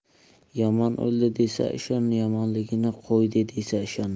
yomon o'ldi desa ishon yomonligini qo'ydi desa ishonma